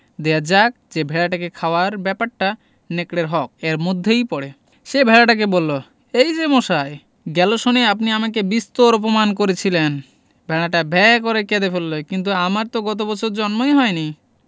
দেয়া যাক যে ভেড়াটাকে খাওয়ার ব্যাপারটা নেকড়ের হক এর মধ্যেই পড়ে সে ভেড়াটাকে বলল এই যে মশাই গেল সনে আপনি আমাকে বিস্তর অপমান করেছিলেন ভেড়াটা ভ্যাঁ করে কেঁদে ফেলল কিন্তু আমার তো গত বছর জন্মই হয়নি